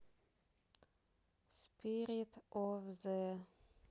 спирит оф зе